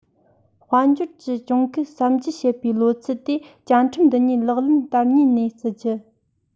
དཔལ འབྱོར གྱི གྱོང གུན གསབ འཇལ བྱེད པའི ལོ ཚད དེ བཅའ ཁྲིམས འདི ཉིད ལག ལེན བསྟར ཉིན ནས བརྩི རྒྱུ